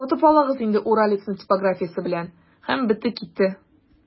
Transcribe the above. Сатып алыгыз да инде «Уралец»ны типографиясе белән, һәм бетте-китте!